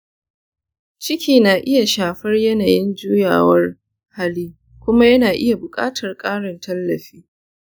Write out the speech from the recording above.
ciki na iya shafar yanayin juyawar hali kuma yana iya buƙatar ƙarin tallafi.